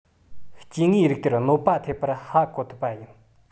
སྐྱེ དངོས རིགས དེར གནོད པ ཐེབས པར ཧ གོ ཐུབ པ ཡིན